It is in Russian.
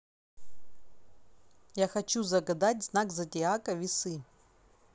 я хочу загадать знак зодиака весы